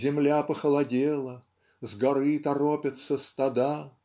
Земля похолодела, С горы торопятся стада